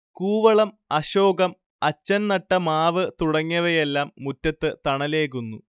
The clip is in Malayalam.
കൂവളം, അശോകം, അച്ഛൻ നട്ട മാവ് തുടങ്ങിയവയെല്ലാം മുറ്റത്ത് തണലേകുന്നു